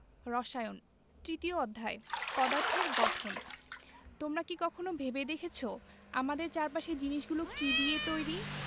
১৬ রসায়ন তৃতীয় অধ্যায় পদার্থের গঠন তোমরা কি কখনো ভেবে দেখেছ আমাদের চারপাশের জিনিসগুলো কী দিয়ে তৈরি